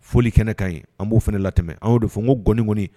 Foli kɛnɛ ka ɲi an b'o fana la an y'o fɔ n ko gɔni kɔniɔni